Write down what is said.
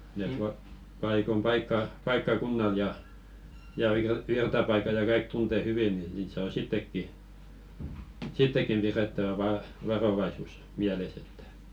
ne - paikoin - paikkakunnalla ja ja - virtapaikat ja kaikki tuntee hyvin niin niitä saa sittenkin sittenkin pidettävä - varovaisuus mielessä että